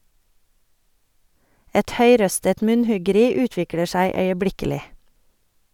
Et høyrøstet munnhuggeri utvikler seg øyeblikkelig.